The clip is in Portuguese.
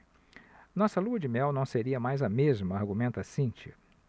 nossa lua-de-mel não seria mais a mesma argumenta cíntia